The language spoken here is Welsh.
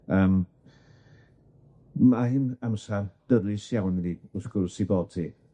Yym mae'n amsar dyrys iawn i ni wrth gwrs i bod hi.